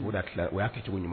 U'o da tila o y'a cogo ɲuman